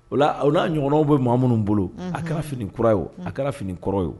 Ola, o n'a ɲɔgɔnw bɛ maa minnu bolo, a kɛra fini kura, ye a kɛra fini kɔrɔ ye o